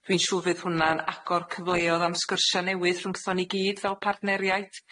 dwi'n siŵr fydd hwn'na'n agor cyfleodd am sgyrsia' newydd rhwngthon ni gyd fel partneriaid.